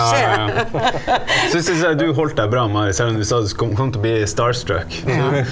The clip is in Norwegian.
ja ja ja så syns jeg du holdt deg bra Marit, selv om du sa du kom til å bli starstruck.